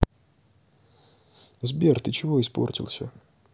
сбер ты чего испортился